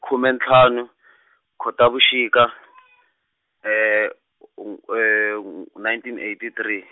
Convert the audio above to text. khume ntlhanu , Khotavuxika , nineteen eighty three.